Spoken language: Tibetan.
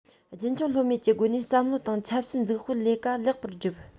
རྒྱུན འཁྱོངས ལྷོད མེད ཀྱི སྒོ ནས བསམ བློ དང ཆབ སྲིད འཛུགས སྤེལ ལས ཀ ལེགས པར བསྒྲུབས